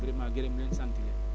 vraiment gërëm leen sant leen